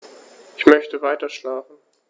Ich möchte weiterschlafen.